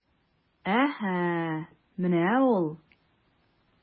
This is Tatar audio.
Әһә, менә ул...